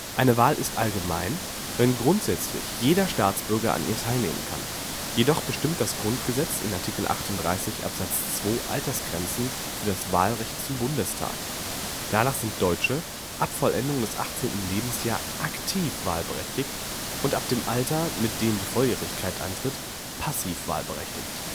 Eine Wahl ist allgemein, wenn grundsätzlich jeder Staatsbürger an ihr teilnehmen kann. Jedoch bestimmt das Grundgesetz in Art. 38 Abs. 2 Altersgrenzen für das Wahlrecht zum Bundestag. Danach sind Deutsche ab Vollendung des 18. Lebensjahres aktiv wahlberechtigt und ab dem Alter, mit dem die Volljährigkeit eintritt, passiv wahlberechtigt